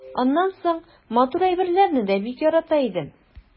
Аннан соң матур әйберләрне дә бик ярата идем.